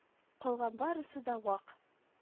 Калган барысы да вак